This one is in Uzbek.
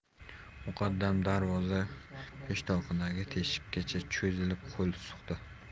muqaddam darvoza peshtoqidagi teshikchaga cho'zilib qo'l suqdi